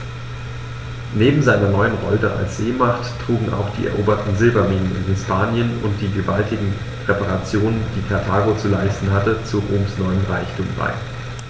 Neben seiner neuen Rolle als Seemacht trugen auch die eroberten Silberminen in Hispanien und die gewaltigen Reparationen, die Karthago zu leisten hatte, zu Roms neuem Reichtum bei.